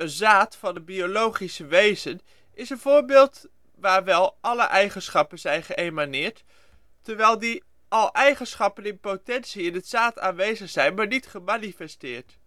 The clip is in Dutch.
zaad van een biologische wezen is een voorbeeld waar wel alle eigenschappen zijn geëmaneerd terwijl die al eigenschappen in potentie in het zaad aanwezig zijn maar niet gemanifesteerd